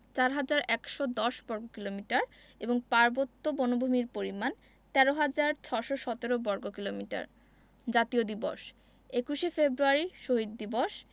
৪হাজার ১১০ বর্গ কিলোমিটার এবং পার্বত্য বনভূমির পরিমাণ ১৩হাজার ৬১৭ বর্গ কিলোমিটার জাতীয় দিবসঃ ২১শে ফেব্রুয়ারি শহীদ দিবস